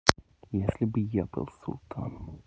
если бы я был султан